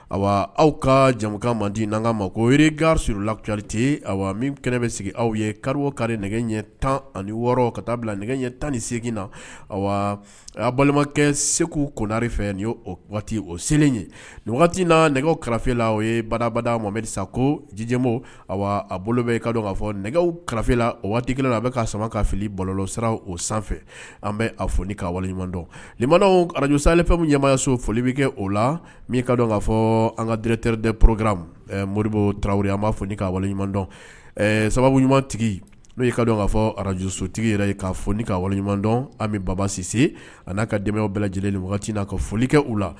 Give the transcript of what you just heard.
Ayiwa aw ka jamu man di ma ko gari surlacrite min kɛnɛ bɛ sigi aw ye kari kari nɛgɛ ɲɛ tan ani wɔɔrɔ ka taa bila nɛgɛ ɲɛ tan nisegin na a y'a balimakɛ segu konari fɛ nin o seli ye nina nɛgɛfela o ye baraba mamerisa ko jijɛbo a bolo bɛ ka ka nɛgɛ karala o waati kelen a bɛ ka sama ka fililɔ sira o sanfɛ an bɛ a foni ka waliɲuman arajo safɛnmu ɲamamaya so folioli bɛ kɛ o la min ka dɔn kaa fɔ an kadteredorokkira moriɔribo tarawele an maa fɔoni k ka waleɲuman sababu ɲumantigi n'o y ka k kaa fɔ arajsotigi yɛrɛ ka foni k ka wale ɲumanɲumandɔn an bɛ baba sise a n'a ka dɛmɛ bɛɛ lajɛlen ni ka foli kɛ u la